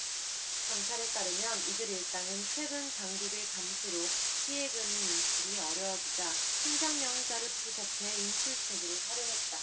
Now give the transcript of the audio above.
경찰에 따르면 이들 일당은 최근 당국의 감시로 피해금 인출이 어려워지자 통장명의자를 포섭해 인출책으로 활용했다